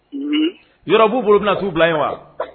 Yɔrɔ b'u bolo u bɛna t'u bila yen wa?